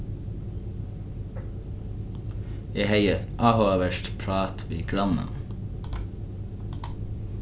eg hevði eitt áhugavert prát við grannan